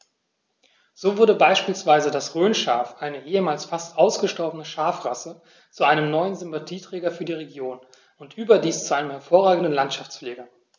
So wurde beispielsweise das Rhönschaf, eine ehemals fast ausgestorbene Schafrasse, zu einem neuen Sympathieträger für die Region – und überdies zu einem hervorragenden Landschaftspfleger.